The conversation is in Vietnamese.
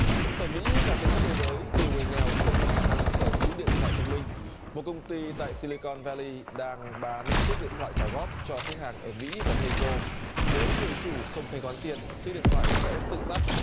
ở mỹ và trên khắp thế giới nhiều người nghèo không có khả năng sở hữu điện thoại thông minh một công ty tại si li con va li đang bán chiếc điện thoại trả góp cho khách hàng ở mỹ và mê hi cô nếu người chủ không thanh toán tiền chiếc điện thoại sẽ tự tắt